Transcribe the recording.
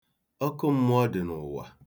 Ọkụm̄mụ̄ọ̄ ḍi n'ụwa.